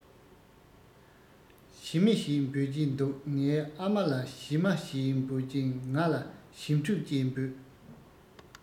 ཞི མི ཞེས འབོད ཀྱིན འདུག ངའི ཨ མ ལ ཞི མ ཞེས འབོད ཅིང ང ལ ཞིམ ཕྲུག ཅེས འབོད